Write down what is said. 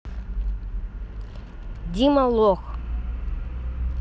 дима лох